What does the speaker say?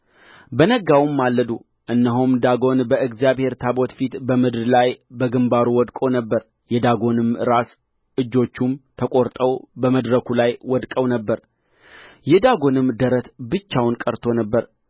በነጋውም ማለዱ እነሆም ዳጎን በእግዚአብሔር ታቦት ፊት በምድር ላይ በግምባሩ ወድቆ ነበር የዳጎንም ራስ እጆቹም ተቈርጠው በመድረኩ ላይ ወድቀው ነበር የዳጎንም ደረት ብቻውን ቀርቶ ነበር